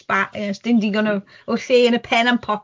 sba- yy... S'dim digon o, o lle yn y pen am popeth.